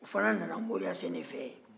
u fana nana mɔriyasen de fɛ